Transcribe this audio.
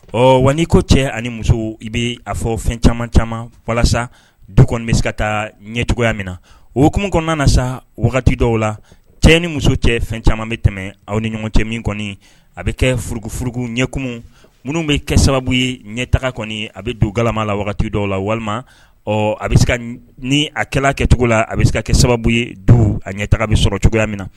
Ɔ wa n ko cɛ ani muso i bɛ a fɔ fɛn caman caman walasa du kɔni bɛ se ka taa ɲɛcogoya min na oumu kɔnɔna na sa wagati dɔw la cɛ ni muso cɛ fɛn caman bɛ tɛmɛ aw ni ɲɔgɔn cɛ min kɔni a bɛ kɛf ɲɛ kununumu minnu bɛ kɛ sababu ye ɲɛtaa kɔni a bɛ du gama la wagati dɔw la walima ɔ a bɛ se ni akɛla kɛcogo la a bɛ se ka kɛ sababu ye a ɲɛtaa bɛ sɔrɔ cogoyaya min na